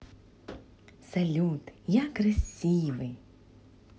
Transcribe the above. салют я красивый